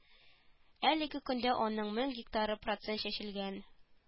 Әлеге көндә аның мең гектары процент чәчелгән